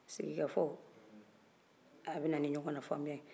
sigikafɔ a bɛ na ni ɲɔgɔnnafaamuya ye